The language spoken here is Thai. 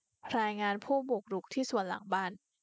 รายงานผู้บุกรุกที่สวนหลังบ้าน